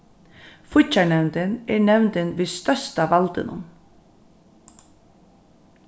fíggjarnevndin er nevndin við størsta valdinum